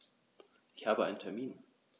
Ich habe einen Termin.